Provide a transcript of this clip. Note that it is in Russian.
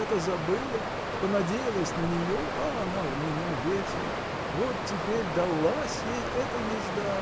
я-то забыла, понадеялась на нее, а она у меня ветер. Вот теперь далась ей эта езда!